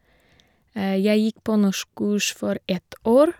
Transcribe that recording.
Jeg gikk på norskkurs for ett år.